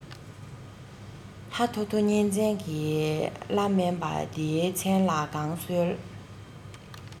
ལྷ ཐོ ཐོ གཉན བཙན གྱི བླ སྨན པ དེའི མཚན ལ གང གསོལ